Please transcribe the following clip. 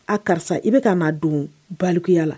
A karisa i bɛ ka n'a don baliya la